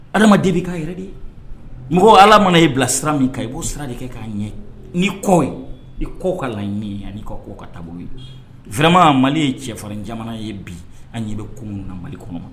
Adamaden bɛ k'a yɛrɛ de ye, mɔgɔ Ala mana ibila sira min kan i b'o sira de kɛ k'a ɲɛ n'i kɔ ye i kɔ ka laɲi an'i kɔ ka taabolo ye, vraiment Mali ye cɛfarin jamana ye bi an ɲɛ bɛ kunun na Mali kɔnɔ